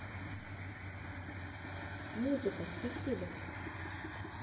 музыка спасибо